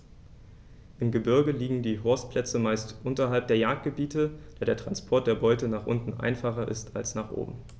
Im Gebirge liegen die Horstplätze meist unterhalb der Jagdgebiete, da der Transport der Beute nach unten einfacher ist als nach oben.